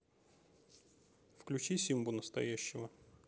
включи симбу настоящего